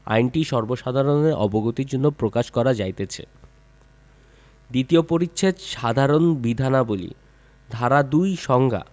আইনটি সর্বসাধারণের অবগতির জন্য প্রকাশ করা যাইতেছে দ্বিতীয় পরিচ্ছেদ সাধারণ বিধানাবলী ধারা ২ সংজ্ঞা